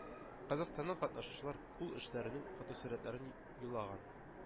Казахстаннан катнашучылар кул эшләренең фотосурәтләрен юллаган.